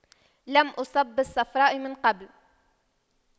لم أصب بالصفراء من قبل